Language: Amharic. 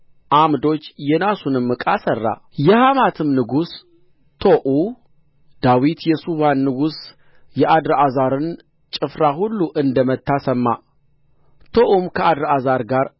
ዓምዶች የናሱንም ዕቃ ሠራ የሐማትም ንጉሥ ቶዑ ዳዊት የሱባን ንጉሥ የአድርአዛርን ጭፍራ ሁሉ እንደ መታ ሰማ ቶዑም ከአድርአዛር ጋር